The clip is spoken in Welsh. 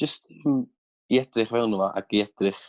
Jyst yym i edrych fewn i o ag i edrych